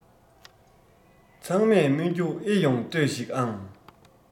ཚང མས སྨོན རྒྱུ ཨེ ཡོང ལྟོས ཤིག ཨང